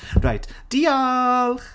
Reit, diolch!